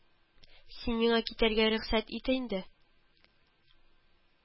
Син миңа китәргә рөхсәт ит инде